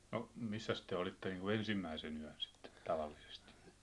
no missäs te olitte niin kuin ensimmäisen yön sitten tavallisesti